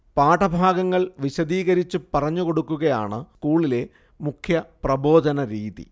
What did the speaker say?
പാഠഭാഗങ്ങൾ വിശദീകരിച്ച് പറഞ്ഞുകൊടുക്കുകയാണ് സ്കൂളിലെ മുഖ്യപ്രബോധനരീതി